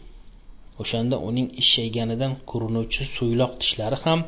o'shanda uning ishshayganidan ko'rinuvchi so'ylok tishlari xam